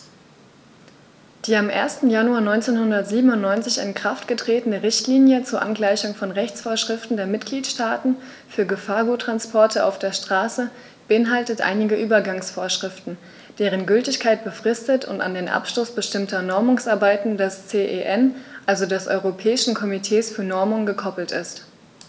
Die am 1. Januar 1997 in Kraft getretene Richtlinie zur Angleichung von Rechtsvorschriften der Mitgliedstaaten für Gefahrguttransporte auf der Straße beinhaltet einige Übergangsvorschriften, deren Gültigkeit befristet und an den Abschluss bestimmter Normungsarbeiten des CEN, also des Europäischen Komitees für Normung, gekoppelt ist.